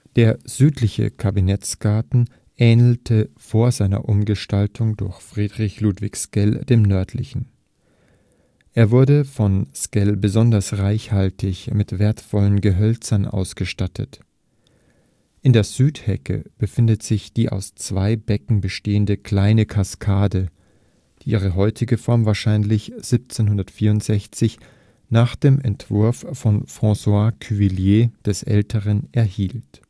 Der Südliche Kabinettsgarten ähnelte vor seiner Umgestaltung durch Friedrich Ludwig Sckell dem nördlichen. Er wurde von Sckell besonders reichhaltig mit wertvollen Gehölzen ausgestattet. In der Südecke befindet sich die aus zwei Becken bestehende Kleine Kaskade, die ihre heutige Form wahrscheinlich 1764 nach dem Entwurf von François Cuvilliés d. Ä. erhielt